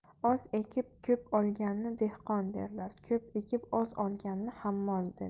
oz ekib ko'p olganni dehqon derlar ko'p ekib oz olganni hammol derlar